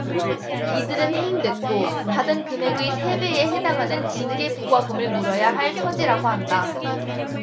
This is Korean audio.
이들은 해임됐고 받은 금액의 세 배에 해당하는 징계부과금을 물어야 할 처지라고 한다